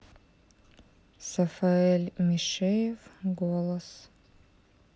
сафаэль мишиев голос